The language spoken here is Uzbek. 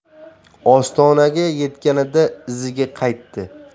ostonaga yetganida iziga qaytdi